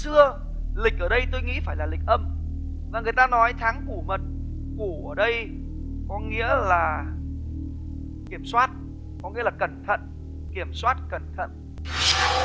xưa lịch ở đây tôi nghĩ phải là lịch âm và người ta nói tháng củ mật củ ở đây có nghĩa là kiểm soát có nghĩa là cẩn thận kiểm soát cẩn thận tháng